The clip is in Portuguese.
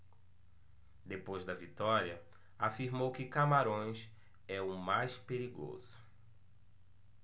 depois da vitória afirmou que camarões é o mais perigoso